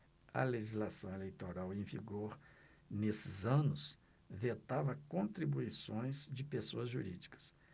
a legislação eleitoral em vigor nesses anos vetava contribuições de pessoas jurídicas